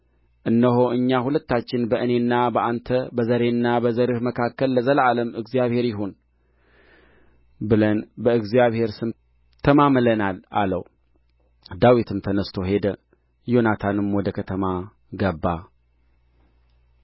እነሆ እኛ ሁለታችን በእኔና በአንተ በዘሬና በዘርህ መካከል ለዘላለም እግዚአብሔር ይሁን ብለን በእግዚአብሔር ስም ተማምለናል አለው ዳዊትም ተነሥቶ ሄደ ዮናታንም ወደ ከተማ ገባ